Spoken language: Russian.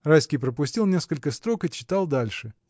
Райский пропустил несколько строк и читал дальше.